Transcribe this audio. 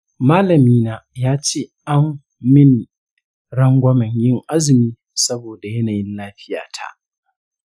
malamina yace an mini rangwamen yin azumi saboda yanayin lafiyata.